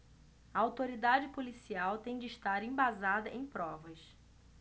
a autoridade policial tem de estar embasada em provas